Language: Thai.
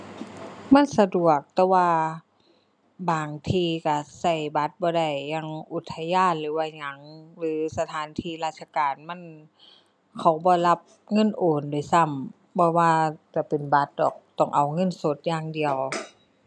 มันสะดวก แต่ว่าบางที่ก็ก็บัตรบ่ได้ อย่างอุทยานหรือว่าหยังหรือสถานที่ราชการมันเขาบ่รับเงินโอนด้วยซ้ำ บ่ว่าจะเป็นบัตรดอก ต้องเอาเงินสดอย่างเดียว